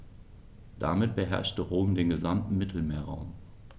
Damit beherrschte Rom den gesamten Mittelmeerraum.